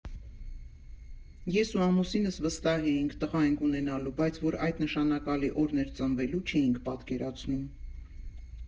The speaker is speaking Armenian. Ես ու ամուսինս վստահ էինք՝ տղա ենք ունենալու, բայց որ այդ նշանակալի օրն էր ծնվելու, չէինք պատկերացնում։